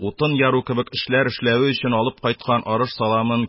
Утын яру кебек эшләр эшләве өчен алып кайткан арыш саламын